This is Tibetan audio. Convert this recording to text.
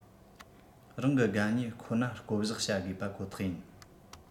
རང གི དགའ ཉེ ཁོ ན བསྐོ གཞག བྱ དགོས པ ཁོ ཐག ཡིན